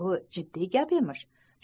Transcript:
bu jiddiy gap emish